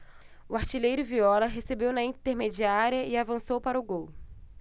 o artilheiro viola recebeu na intermediária e avançou para o gol